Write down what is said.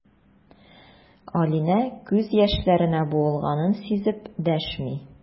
Алинә күз яшьләренә буылганын сизеп дәшми.